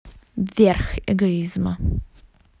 верх эгоизма